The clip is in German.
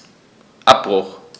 Abbruch.